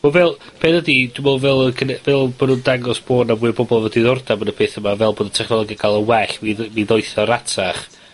Ma' fel, be' ydi, dwi me'wl fel yn cyny-, fel bo' nw'n dangos bod 'na fwy o bobol â diddordab yn y peth yma fel bod y technoleg yn ca'l yn well, mi dd- mi ddoeth o ratach.